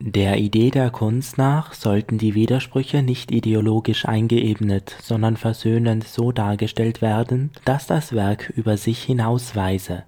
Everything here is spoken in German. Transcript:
Der Idee der Kunst nach sollten die Widersprüche nicht ideologisch eingeebnet, sondern versöhnend so dargestellt werden, dass das Werk über sich hinausweise